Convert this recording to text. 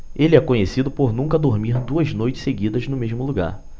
ele é conhecido por nunca dormir duas noites seguidas no mesmo lugar